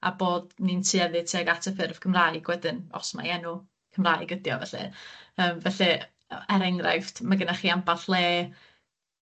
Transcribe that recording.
a bod ni'n tueddu tuag at y ffurf Cymraeg wedyn, os mai enw Cymraeg ydi o felly yym felly yy er enghraifft, ma' gynnach chi amball le